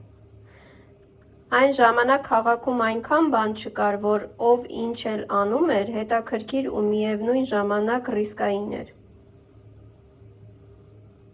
Այն ժամանակ քաղաքում այնքան բան չկար, որ ով ինչ էլ անում էր՝ հետաքրքիր ու միևնույն ժամանակ ռիսկային էր։